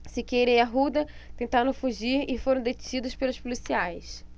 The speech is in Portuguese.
siqueira e arruda tentaram fugir e foram detidos pelos policiais